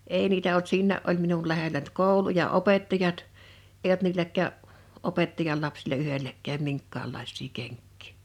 ei niitä ollut siinä oli minun lähellä nyt koulu ja opettajat ei ollut niilläkään opettajan lapsilla yhdelläkään minkäänlaisia kenkiä